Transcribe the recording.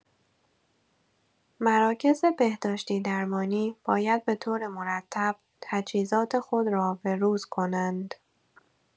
مراکز بهداشتی‌درمانی باید به‌طور مرتب تجهیزات خود را به‌روز کنند.